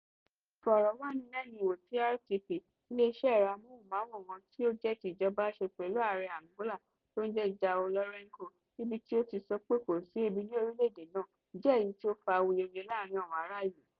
Ìfọ̀rọ̀wánilẹ́nuwò tí RTP, ileeṣẹ́ ẹ̀rọ amóhùn-máwòrán tó jẹ́ ti ìjọba ṣe pẹ̀lú Aàrẹ Angola tó ń jẹ́ João Lourenço,, níbi tí ó ti sọ pé kò sí ebi ní orilẹ́ èdè náà jẹ́ èyí tó fa awuyewúye láàárìn àwọn ará ìlú.